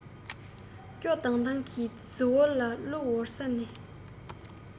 སྐྱོ ལྡང ལྡང གི རྫི བོའི ལ གླུ བོར ས ནས